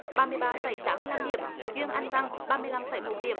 ba mươi ba phẩy tám mươi lăm điểm chuyên anh văn ba mươi lăm phẩy một điểm